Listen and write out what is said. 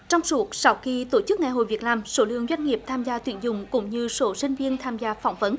trong suốt sáu kỳ tổ chức ngày hội việc làm số lượng doanh nghiệp tham gia tuyển dụng cũng như số sinh viên tham gia phỏng vấn